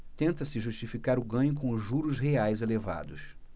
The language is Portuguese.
tenta-se justificar o ganho com os juros reais elevados